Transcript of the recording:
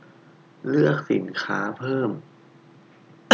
เลือกสินค้าเพิ่ม